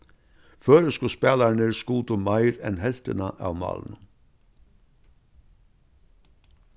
føroysku spælararnir skutu meir enn helvtina av málunum